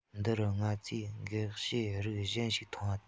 འདི རུ ང ཚོས གེགས བྱེད རིགས གཞན ཞིག མཐོང བ དང